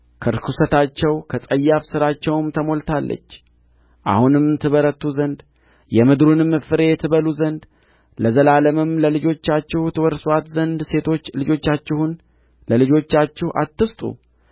ከርኵሰታቸው ከጸያፍ ሥራቸውም ተሞልታለች አሁንም ትበረቱ ዘንድ የምድሩንም ፍሬ ትበሉ ዘንድ ለዘላለም ለልጆቻችሁ ታወርሱአት ዘንድ ሴቶች ልጆቻችሁን ለልጆቻቸው አትስጡ